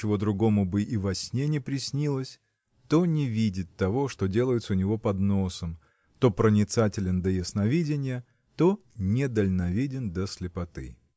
чего другому бы и во сне не приснилось то не видит того что делается у него под носом то проницателен до ясновидения то недальновиден до слепоты.